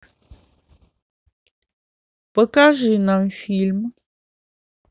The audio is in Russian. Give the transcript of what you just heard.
покажи нам фильм